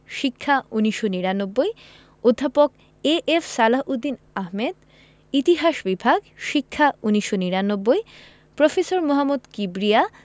শিক্ষা ১৯৯৯ অধ্যাপক এ.এফ সালাহ উদ্দিন আহমদ ইতিহাস বিভাগ শিক্ষা ১৯৯৯ প্রফেসর মোহাম্মদ কিবরিয়া